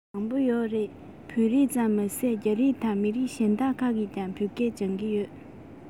མང པོ ཡོད རེད བོད རིགས ཙམ མ ཟད རྒྱ རིགས དང མི རིགས གཞན དག མང པོ ཞིག གིས བོད ཡིག སྦྱོང གི ཡོད རེད